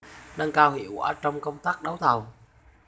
nâng cao hiệu quả trong công tác đấu thầu